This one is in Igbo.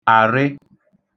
àrị